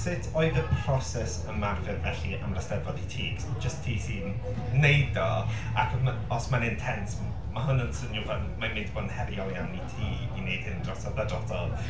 Sut oedd y proses ymarfer felly am yr Eisteddfod i ti, achos jyst ti sy'n wneud o. Ac m-... os mae'n intense, ma' hwn yn swnio fel mae'n mynd i fod yn heriol iawn i ti, i wneud hyn drosodd a drosodd.